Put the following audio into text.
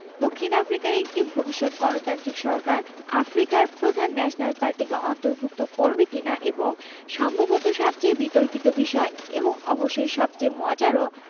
দক্ষিণ আফ্রিকার একটি ভবিষ্যৎ গণতান্ত্রিক সরকার আফ্রিকার প্রধান ন্যাশনাল পার্টিকে অন্তর্ভুক্ত করবে কি না এবং সম্ভবত সবচেয়ে বিতর্কিত বিষয় এবং অবশ্যই সবচেয়ে মজারও